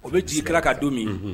O bɛ ji kɛra ka don min